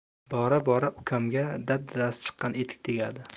bora bora ukamga dabdalasi chiqqan etik tegadi